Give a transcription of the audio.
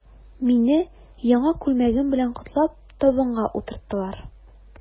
Мине, яңа күлмәгем белән котлап, табынга утырттылар.